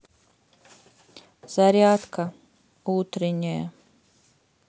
зарядка утренняя